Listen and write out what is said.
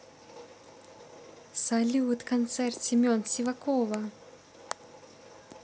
салют концерт семен сивакова